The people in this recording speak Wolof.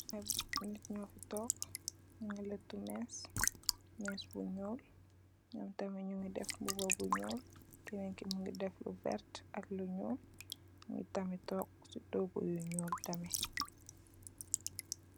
Ai nit nyo fi tuk nyu gi letu mech, mech bu nglu, num tamit munge def mbuba bu nglu kenen ke mu nge def lu verter ak lu nul nu tuk si tugu bu nglu tamit.